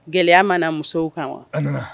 Gɛlɛya mana musow kan wa? A nana.